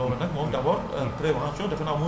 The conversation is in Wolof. ndax dañ ne comment prévenir les dégâts